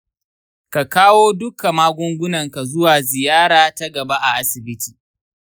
ka kawo dukka magungunanka zuwa ziyara ta gaba a asibiti.